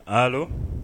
Allo